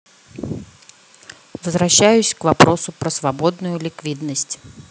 возвращаюсь к вопросу про свободную ликвидность